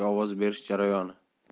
ovoz berish jarayoni